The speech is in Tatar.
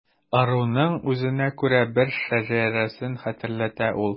Ыруның үзенә күрә бер шәҗәрәсен хәтерләтә ул.